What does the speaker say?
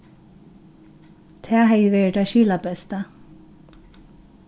tað hevði verið tað skilabesta